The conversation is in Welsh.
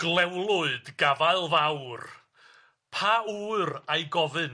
Glewlwyd gafael fawr. Pa ŵr a'i gofyn?